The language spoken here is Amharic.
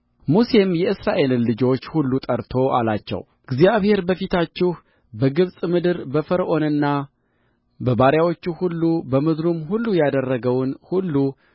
ሙሴም የእስራኤልን ልጆች ሁሉ ጠርቶ አላቸው እግዚአብሔር በፊታችሁ በግብፅ ምድር በፈርዖንና በባሪያዎቹ ሁሉ በምድሩም ሁሉ ያደረገውን ሁሉ